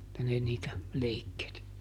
että ne niitä leikkeli